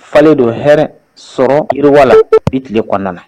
Falen don hɛrɛ sɔrɔ yiriwa la bi tile kɔnɔna na